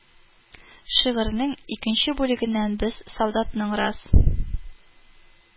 Шигырьнең икенче бүлегеннән без солдатның раз